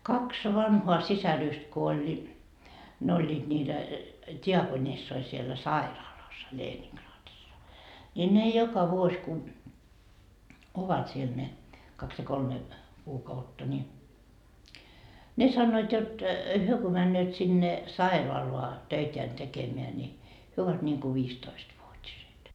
kaksi vanhaa sisarusta kun oli ne olivat niitä diakonissoja siellä sairaalassa Leningradissa niin ne joka vuosi kun ovat siellä ne kaksi ja kolme kuukautta niin ne sanoivat jotta he kun menevät sinne sairaalaan töitään tekemään niin he ovat niin kuin viisitoistavuotiset